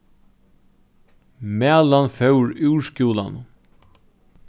malan fór úr skúlanum